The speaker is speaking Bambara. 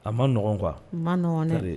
A maɔgɔn kuwa maɔgɔn